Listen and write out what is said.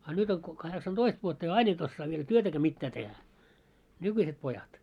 a nyt on - kahdeksantoista vuotta ja aina et osaa vielä työtäkään mitään tehdä nykyiset pojat